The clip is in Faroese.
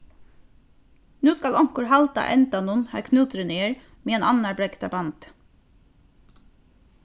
nú skal onkur halda endanum har knúturin er meðan annar bregdar bandið